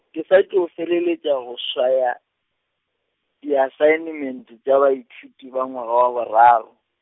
ke sa tšo feleletša go swaya, diasaenmente tša baithuti ba ngwaga wa boraro.